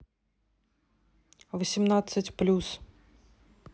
восемнадцать плюс